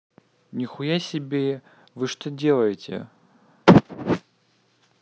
нихуя себе вы что делаете